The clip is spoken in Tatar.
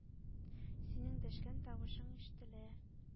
Синең дәшкән тавышың иштелә.